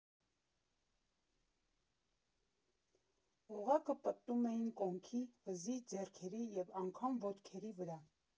Օղակը պտտում էին կոնքի, վզի, ձեռքերի և անգամ ոտքերի վրա։